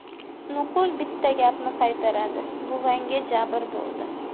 nuqul bitta gapni qaytaradi buvangga jabr bo'ldi